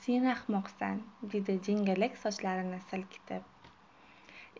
sen ahmoqsan dedi jingalak sochlarini silkitib